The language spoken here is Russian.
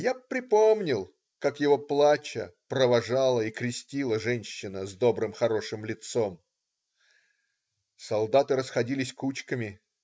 " Я припомнил, как его, плача, провожала и крестила женщина с добрым, хорошим лицом. Солдаты расходились кучками.